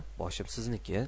boshim sizniki